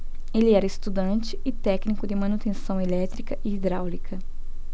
ele era estudante e técnico de manutenção elétrica e hidráulica